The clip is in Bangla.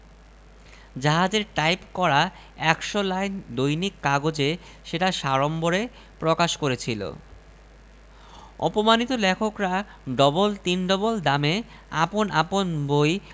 প্যারিসের লোক তখন যে অট্টহাস্য ছেড়েছিল সেটা আমি ভূমধ্যসাগরের মধ্যিখানে জাহাজে বসে শুনতে পেয়েছিলুম কারণ খবরটার গুরুত্ব বিবেচনা করে রয়টার সেটা বেতারে ছড়িয়েছিলেন